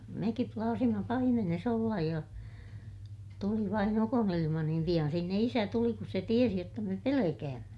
mekin plaasimme paimenessa olla ja tuli vain ukonilma niin pian sinne isä tuli kun se tiesi jotta me pelkäämme